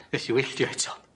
Nes i wylltio eto.